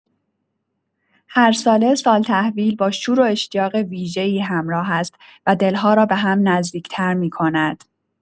هرساله، سال‌تحویل با شور و اشتیاق ویژه‌ای همراه است و دل‌ها را به هم نزدیک‌تر می‌کند.